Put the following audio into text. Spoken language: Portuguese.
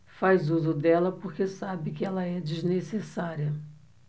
faz uso dela porque sabe que ela é necessária